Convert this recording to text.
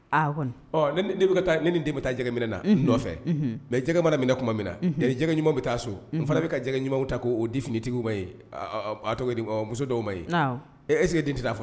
Aa o kɔni ɔ neni ne bɛ ka taa nenin n den bɛ taa jɛgɛ min na u nɔfɛ mais jɛgɛ mana minɛ kuma min na tari jɛgɛ ɲumanw bɛ taa so unhun o fana bɛ ka jɛgɛ ɲumanw ta koo o di finintigiw ma ye a a ɔ a tɔgɔ ye di muso dɔw ma ye awɔ e est ce que den ti t'a fɔ